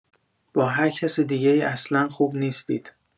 با هرکس دیگه‌ای اصلا خوب نیستید.